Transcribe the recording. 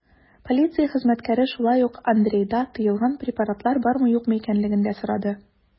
Полиция хезмәткәре шулай ук Андрейда тыелган препаратлар бармы-юкмы икәнлеген дә сорады.